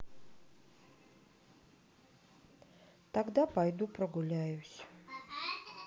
тогда пойду прогуляюсь